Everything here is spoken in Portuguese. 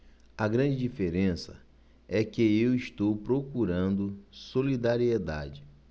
a grande diferença é que eu estou procurando solidariedade